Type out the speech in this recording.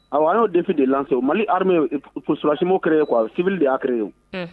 An'o defi de lasɔ mali ha sulasibo kɛrɛ ye kuwa a sibi de y'a kɛrɛre ye o